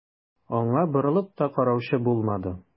Аңа борылып та караучы булмады.